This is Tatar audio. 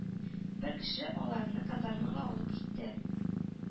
Бер кеше аларны казармага алып китте.